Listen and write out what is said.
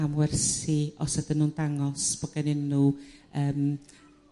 am wersi os ydyn nhw'n dangos bo' genyn nhw yrm